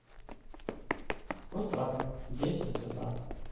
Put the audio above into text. утра десять утра